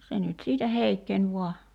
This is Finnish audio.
se nyt siitä heikkeni vain